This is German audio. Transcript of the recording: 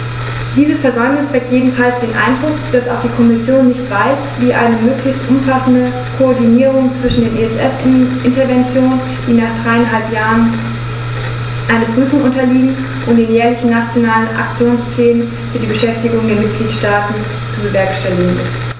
Dieses Versäumnis weckt jedenfalls den Eindruck, dass auch die Kommission nicht weiß, wie eine möglichst umfassende Koordinierung zwischen den ESF-Interventionen, die nach dreieinhalb Jahren einer Prüfung unterliegen, und den jährlichen Nationalen Aktionsplänen für die Beschäftigung der Mitgliedstaaten zu bewerkstelligen ist.